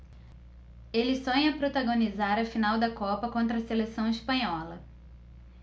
ele sonha protagonizar a final da copa contra a seleção espanhola